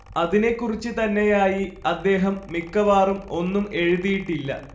അതിനെക്കുറിച്ച് തന്നെയായി അദ്ദേഹം മിക്കവാറും ഒന്നും എഴുതിയിട്ടില്ല